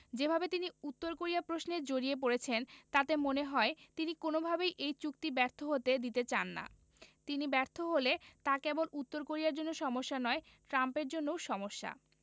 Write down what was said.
যেভাবে তিনি উত্তর কোরিয়া প্রশ্নে জড়িয়ে পড়েছেন তাতে মনে হয় তিনি কোনোভাবেই এই চুক্তি ব্যর্থ হতে দিতে চান না তিনি ব্যর্থ হলে তা কেবল উত্তর কোরিয়ার জন্য সমস্যা নয় ট্রাম্পের জন্যও সমস্যা